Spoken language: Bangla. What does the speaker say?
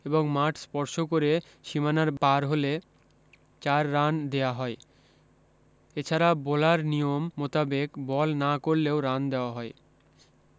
এবং মাঠ স্পর্শ করে সীমানা পার হলে চার রান দেয়া হয় এছাড়া বোলার নিয়ম মোতাবেক বল না করলেও রান দেয়া হয়